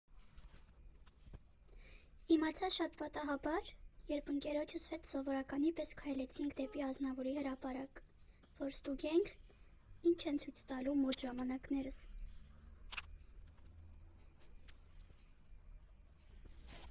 Իմացա շատ պատահաբար, երբ ընկերոջս հետ սովորականի պես քայլեցինք դեպի Ազնավուրի հրապարակ, որ ստուգենք՝ ինչ են ցույց տալու մոտ ժամանակներս։